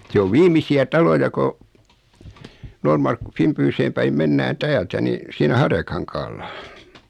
se on viimeisiä taloja kun - Finbyhyn päin mennään täältä niin siinä Harjakankaalla